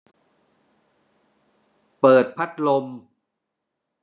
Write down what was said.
เปิดพัดลม